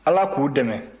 ala k'u dɛmɛ